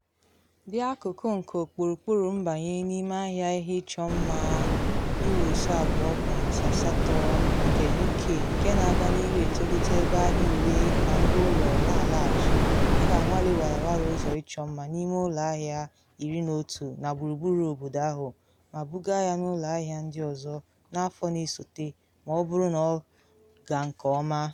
Dị akụkụ nke ọkpụrụkpụ mbanye n’ime ahịa ihe ịchọ mma £2.8n nke UK, nke na aga n’ihu etolite ebe ahịa uwe na ngwa ụlọ na alaghachi, a ga-anwale warawara ụzọ ịchọ mma n’ime ụlọ ahịa 11 na gburugburu obodo ahụ ma buga ya n’ụlọ ahịa ndị ọzọ n’afọ na esote ma ọ bụrụ na ọ gaa nke ọma.